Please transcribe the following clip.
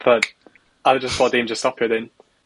T'mod, a wedyn jys pob dim jys stopio 'dyn.